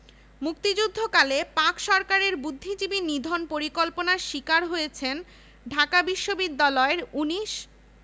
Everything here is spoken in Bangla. জন শিক্ষক ২৫ মার্চ রাতে আরো শহীদ হন ১০৪ জন ছাত্র ১ জন কর্মকর্তা ও ২৮ জন কর্মচারী